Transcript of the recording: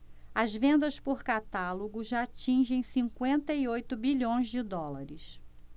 as vendas por catálogo já atingem cinquenta e oito bilhões de dólares